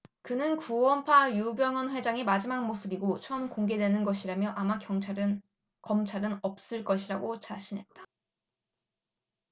그는 구원파 유병언 회장의 마지막 모습이고 처음 공개되는 것이라며 아마 검찰은 없을 것이라고 자신했다